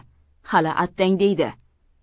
hali attang deydi